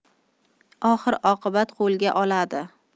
oxir oqibat qo'lga oladi